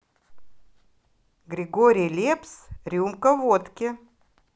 григорий лепс рюмка водки